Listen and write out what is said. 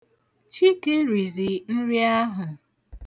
Chike rizi nri ahụ.